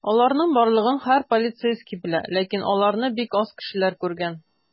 Аларның барлыгын һәр полицейский белә, ләкин аларны бик аз кешеләр күргән.